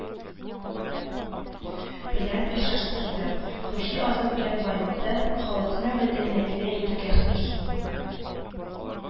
Белән очраштырды, рухи азык белән баетты, халыкны мәдәниятле итүгә мөһим